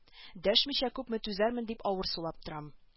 Дәшмичә күпме түзәрмен дип авыр сулап торам